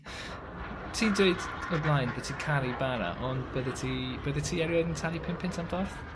ti'n dweud o'r blaen bo' ti'n caru bara ond bydde ti bydde ti erioed yn talu pum punt am dorth?